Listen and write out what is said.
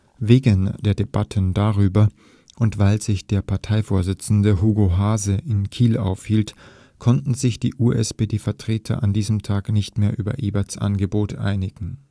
Wegen der Debatten darüber und weil sich der Parteivorsitzende Hugo Haase in Kiel aufhielt, konnten sich die USPD-Vertreter an diesem Tag nicht mehr über Eberts Angebot einigen